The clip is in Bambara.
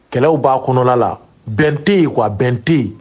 Kɛlɛw ba kɔnɔna la. Bɛn te yen quoi bɛn tɛ yen.